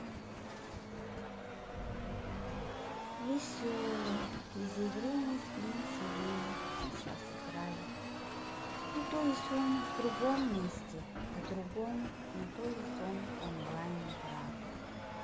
веселый из игры мы с ним сидим сейчас играем ну то есть он в другом месте в другом но то есть онлайн игра